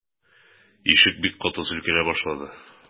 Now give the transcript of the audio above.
Ишек бик каты селкенә башлады.